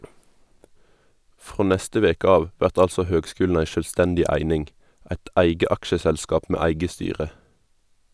Frå neste veke av vert altså høgskulen ei sjølvstendig eit eige aksjeselskap med eige styre.